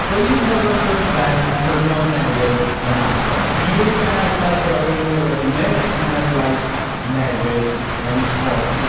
So un cyfnod yn dod i ben, cyfnod newydd yn agor. Un cenhedlaeth o arweinwyr wedi mynd, cenhedlaeth newydd yn codi.